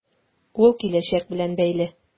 Ул киләчәк белән бәйле.